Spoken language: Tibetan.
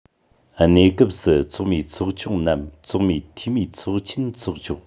གནས སྐབས སུ ཚོགས མིའི ཚོགས ཆེན ནམ ཚོགས མིའི འཐུས མིའི ཚོགས ཆེན འཚོགས ཆོག